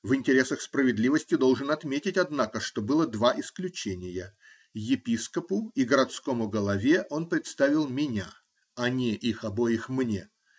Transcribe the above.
В интересах справедливости должен отметить, однако, что было два исключения: епископу и городскому голове он представил меня, а не их обоих мне.